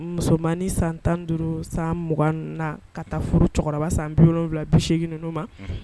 Musomanmani san tan duuru san 2ugan ka taa furu cɛkɔrɔba san biwula bi segin ninnu ma